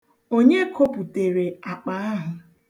Onye koputere akpa ahụ?